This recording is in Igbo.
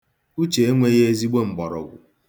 Uche enweghị ezigbo mgbọrọgwụ